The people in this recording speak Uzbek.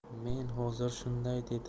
men hozir shunday dedi